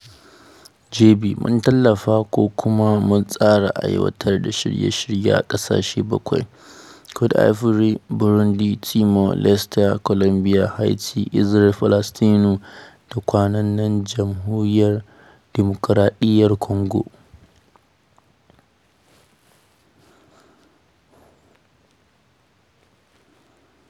JB: Mun tallafa ko kuma mun tsara aiwatar da shirye-shirye a ƙasashe bakwai: Côte d'Ivoire, Burundi, Timor Leste, Colombia, Haïti, Isra'il-Falastinu, da a kwanan nan Jamhuriyar Dimokuraɗiyyar Kongo.